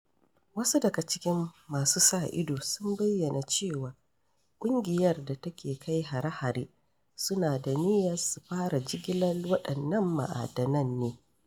Wasu daga cikin masu sa ido sun bayyana cewa ƙungiyar da take kai hare-haren suna da niyyar su fara jigilar waɗannan ma'adanan ne.